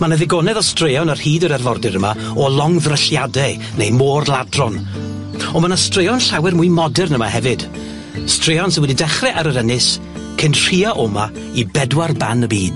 Ma' 'na ddigonedd o straeon ar hyd yr arfordir yma o longddrylliade, neu môr-ladron, ond ma' 'na straeon llawer mwy modern yma hefyd, straeon sy' wedi dechre ar yr Ynys cyn rhuo oma i bedwar ban y byd.